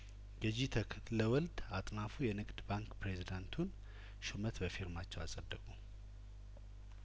ገዥ ተክለወልድ አጥናፉ የንግድ ባንክ ፕሬዝዳንቱን ሹመት በፊርማቸው አጸደቁ